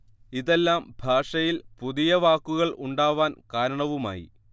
ഇതെല്ലാം ഭാഷയിൽ പുതിയ വാക്കുകൾ ഉണ്ടാവാൻ കാരണവുമായി